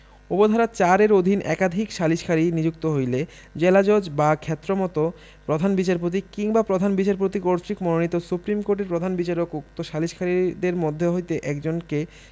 উপ ধারা ৪ এর অধীন একাধিক সালিসকারী নিযুক্ত হইলে জেলাজজ বা ক্ষেত্রমত প্রধান বিচারপত কিংবা প্রধান বিচারপতি কর্তৃক মানোনীত সুপ্রীম কোর্টের কোন বিচারক উক্ত সালিসকারীদের মধ্য হইতে একজনকে